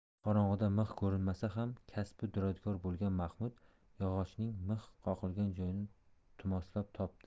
qorong'ida mix ko'rinmasa ham kasbi duradgor bo'lgan mahmud yog'ochning mix qoqilgan joyini tusmollab topdi